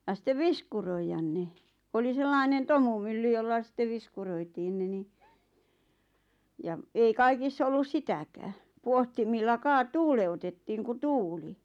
ja sitten viskuroida ne oli sellainen tomumylly jolla sitten viskuroitiin ne niin ja ei kaikissa ollut sitäkään pohtimilla - tuuleutettiin kun tuuli